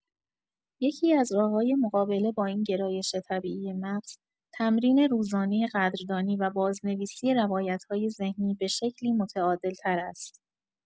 یکی‌از راه‌های مقابله با این گرایش طبیعی مغز، تمرین روزانۀ قدردانی و بازنویسی روایت‌های ذهنی به شکلی متعادل‌تر است.